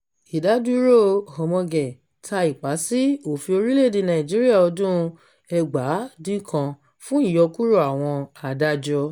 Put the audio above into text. Ìdádúróo Onnoghen ta ìpá sí òfin Orílẹ̀-èdè Nàìjíríà ọdún-un 1999 fún ìyọkúrò àwọn adájọ́ .